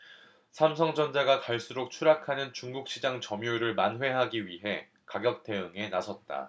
삼성전자가 갈수록 추락하는 중국 시장 점유율을 만회하기 위해 가격 대응에 나섰다